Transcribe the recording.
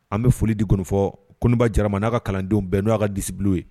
An bɛ foli difɔ kobaja n'a ka kalandenw bɛɛ n'oa ka disibu ye